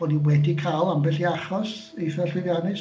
Bod ni wedi cael ambell i achos eitha llwyddiannus...